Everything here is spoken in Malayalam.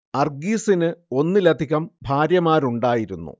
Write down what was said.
അർഗീസിന് ഒന്നിലധികം ഭാര്യമാരുണ്ടായിരുന്നു